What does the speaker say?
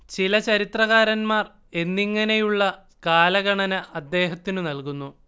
ചില ചരിത്രകാരന്മാർ എന്നിങ്ങനെയുള്ള കാലഗണന അദ്ദേഹത്തിനു നല്കുന്നു